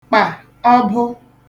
kpà ọbụ